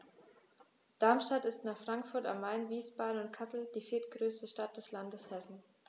Darmstadt ist nach Frankfurt am Main, Wiesbaden und Kassel die viertgrößte Stadt des Landes Hessen